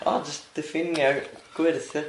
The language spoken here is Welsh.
O jyst diffiniad gwyrth ia?